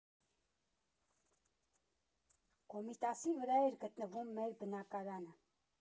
Կոմիտասի վրա էր գտնվում մեր բնակարանը։